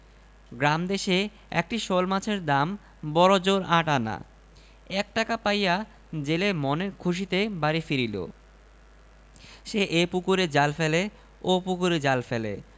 ওরে তোমরা দেখরে আমার সোয়ামী পাগল হইয়াছে আমাকে মারিয়া ফেলিল বউ এর চিৎকার শুনিয়া এ পাড়া ও পাড়া হইতে বহুলোক আসিয়া জড় হইল